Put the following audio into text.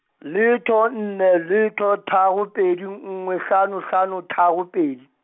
letho nne letho tharo pedi nngwe hlano hlano tharo pedi.